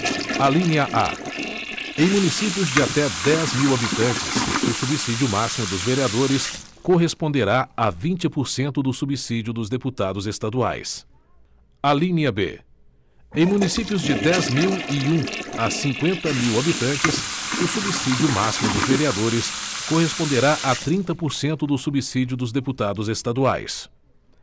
alínea a em municípios de até dez mil habitantes o subsídio máximo dos vereadores corresponderá a vinte por cento do subsídio dos deputados estaduais alínea b em municípios de dez mil e um a cinqüenta mil habitantes o subsídio máximo dos vereadores corresponderá a trinta por cento do subsídio dos deputados estaduais